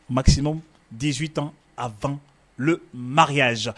Makisimaw densiwt a fan ma yyazo